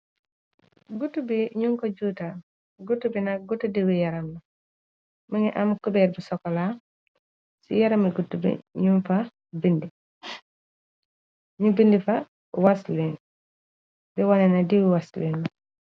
Guutu bi ñu ko juuta guutu bi na guutu diwi yaram na më ngi am kubeer bu sokola ci yarami gut bi ñu bindi fa weslin bi wane na diw weswin.